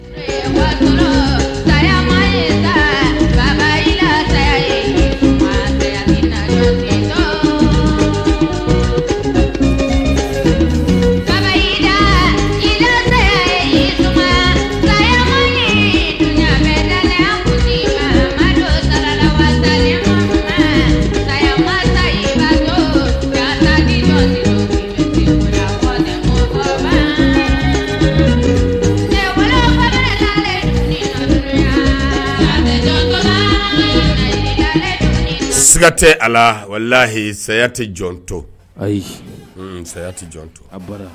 Faama saya matan faamaji sagokɔrɔ faama la tile sakuma mago sa saya sakɔrɔkɔrɔlago siga tɛ a la walahi saya tɛ jɔn to ayi saya tɛ jɔn to a bara